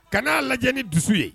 Kan'a lajɛ ni dusu ye